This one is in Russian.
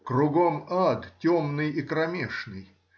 кругом ад темный и кромешный.